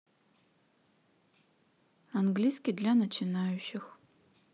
английский для начинающих